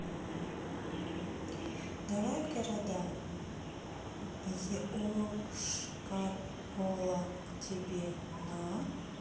давай в города йошкар ола тебе на а